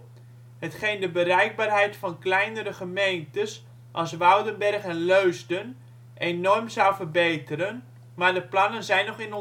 bereikbaarheid van kleinere gemeentes als Woudenberg en Leusden enorm zou verbeteren, maar de plannen zijn